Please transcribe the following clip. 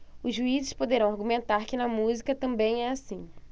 os juízes poderão argumentar que na música também é assim